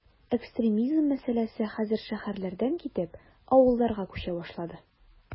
Экстремизм мәсьәләсе хәзер шәһәрләрдән китеп, авылларга “күчә” башлады.